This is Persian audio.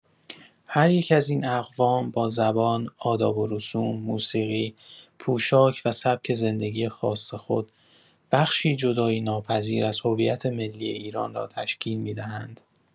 هر یک از این اقوام با زبان، آداب و رسوم، موسیقی، پوشاک و سبک زندگی خاص خود، بخشی جدایی‌ناپذیر از هویت ملی ایران را تشکیل می‌دهند.